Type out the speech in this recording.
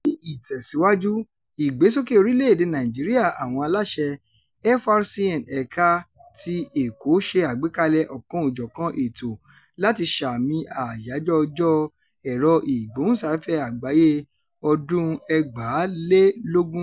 Ní ìtẹ̀síwájú ìgbésókè orílẹ̀-èdèe Nàìjíríà, àwọn aláṣẹ FRCN Ẹ̀ka ti Èkó ṣe àgbékalẹ̀ ọkànòjọ̀kan ètò láti sààmì Àyájọ́ Ọjọ́ Ẹ̀rọ-ìgbóhùnsáfẹ́fẹ́ Àgbáyé ọdún-un 2020.